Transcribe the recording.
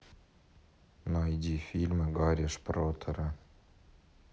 найди фильмы гарри шпротера